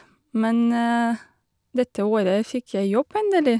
Men dette året fikk jeg jobb, endelig.